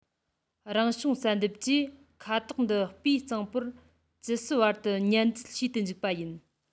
རང བྱུང བསལ འདེམས ཀྱིས ཁ དོག འདི སྤུས གཙང པོར ཇི སྲིད བར དུ ཉར འཛིན བྱེད དུ འཇུག པ ཡིན